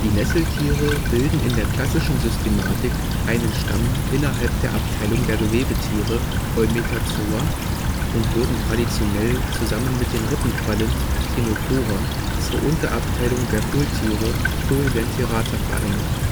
Nesseltiere bilden in der klassischen Systematik einen Stamm innerhalb der Abteilung der Gewebetiere (Eumetazoa) und wurden traditionell zusammen mit den Rippenquallen (Ctenophora) zur Unterabteilung der Hohltiere (Coelenterata) vereinigt